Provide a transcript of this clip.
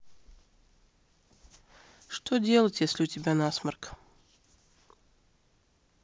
что делать если у тебя насморк